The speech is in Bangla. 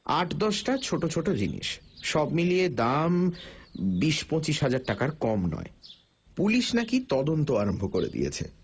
আট দশটা ছোট ছোট জিনিস সব মিলিয়ে যার দাম বিশ পঁচিশ হাজার টাকার কম নয় পুলিশ নাকি তদন্ত আরম্ভ করে দিয়েছে